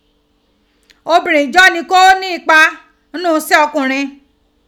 Obinrin je oni ko o ni ipa n nu ise okunrin.